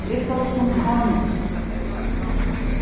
eg stóð sum kánus